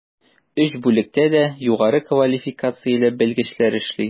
Өч бүлектә дә югары квалификацияле белгечләр эшли.